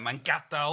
A mae'n gadael